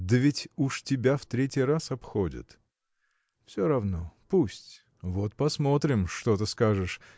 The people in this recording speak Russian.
– Да ведь уж тебя в третий раз обходят. – Все равно: пусть! – Вот посмотрим что-то скажешь